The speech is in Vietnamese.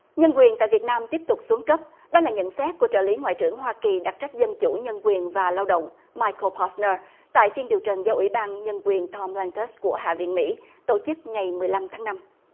nhân quyền tại việt nam tiếp tục xuống cấp đó là nhận xét của trợ lý ngoại trưởng hoa kỳ đặc trắc dân chủ nhân quyền và lao động mai cờ bát nơ tại phiên điều trần do ủy ban nhân quyền tôm len tớt của hạ viện mỹ tổ chức ngày mười lăm tháng năm